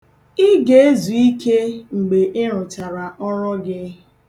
Ị ga-ezu ike mgbe ịrụchara ọrụ gị.